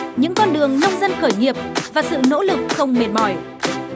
những con đường nông dân khởi nghiệp và sự nỗ lực không mệt mỏi